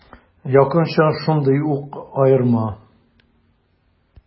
Якынча шундый ук аерма.